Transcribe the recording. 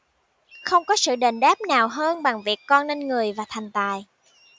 không có sự đền đáp nào hơn bằng việc con nên người và thành tài